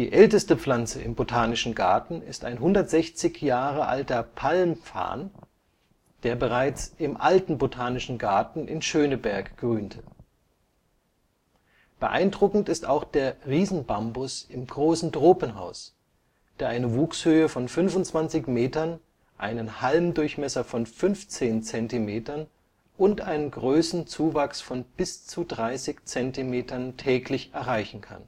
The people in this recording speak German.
älteste Pflanze im Botanischen Garten ist ein 160 Jahre alter Palmfarn, der bereits im alten Botanischen Garten in Schöneberg grünte. Beeindruckend ist auch der Riesen-Bambus im Großen Tropenhaus, der eine Wuchshöhe von 25 m, einen Halmdurchmesser von 15 cm und einen Größenzuwachs von bis zu 30 cm täglich erreichen kann